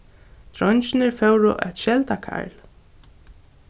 dreingirnir fóru at skelda karl